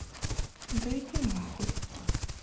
да иди нахуй